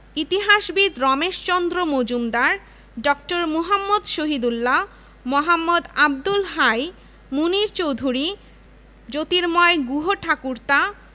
ইতিহাসবিদ রমেশচন্দ্র মজুমদার ড. মুহাম্মদ শহীদুল্লাহ মোঃ আবদুল হাই মুনির চৌধুরী জ্যোতির্ময় গুহঠাকুরতা